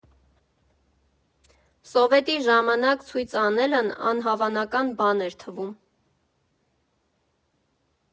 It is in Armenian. Սովետի ժամանակ ցույց անելն անհավանական բան էր թվում։